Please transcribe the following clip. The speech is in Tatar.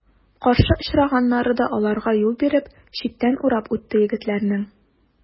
Каршы очраганнары да аларга юл биреп, читтән урап үтте егетләрнең.